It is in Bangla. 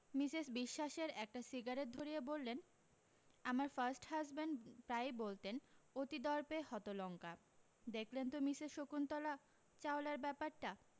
মিসেস বিশ্বাসের একটা সিগারেট ধরিয়ে বললেন আমার ফার্স্ট হাজবেণ্ড প্রায় বলতেন অতি দর্পে হত লঙ্কা দেখলেন তো মিসেস শকুন্তলা চাওলার ব্যাপারটা